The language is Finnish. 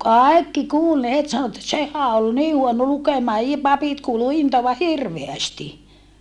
kaikki kuuli ne heti sanoi että sehän oli niin huono lukemaan - papit kuului intoavan hirveästi